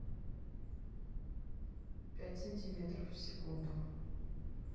пять сантиметров в секунду